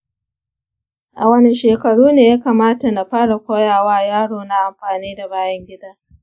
a wane shekaru ne ya kamata na fara koya wa yarona anfani da bayan gida